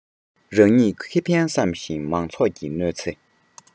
རང ཉིད ཁེ ཕན བསམ ཞིང མང ཚོགས ཀྱི གནོད ཚེ